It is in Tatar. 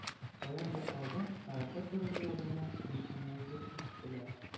Каяндыр алдан, пароход борыны ягыннан, бик моңлы җыр ишетелә.